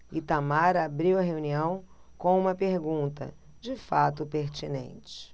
itamar abriu a reunião com uma pergunta de fato pertinente